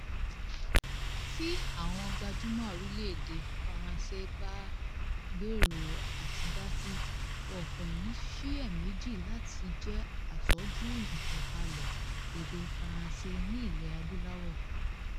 Tí àwọn gbajúmọ̀ orílẹ̀-èdè France bá gbèrò àti dási, wọn kò ní ṣiyèméjì láti jẹ́ asojú ìtànkálẹ̀ èdè Faransé ní Ilẹ̀ Adúláwò.